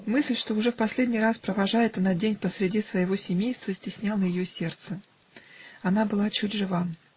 Мысль, что уже в последний раз провожает она день посреди своего семейства, стесняла ее сердце. Она была чуть жива